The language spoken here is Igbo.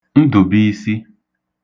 Ndụ̀biisi